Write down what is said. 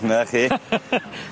'Na chi.